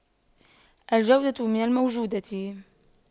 الجودة من الموجودة